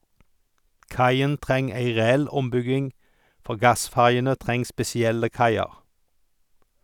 Kaien treng ei reell ombygging, for gassferjene treng spesielle kaiar.